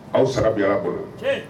Aw sara bɛ allah bolo.